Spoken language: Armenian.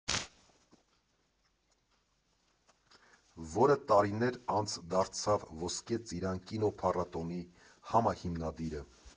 Որը տարիներ անց դարձավ Ոսկե ծիրան կինոփառատոնի համահիմնադիրը։